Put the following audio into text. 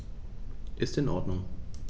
Ist in Ordnung.